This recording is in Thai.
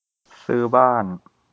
ซื้อบ้าน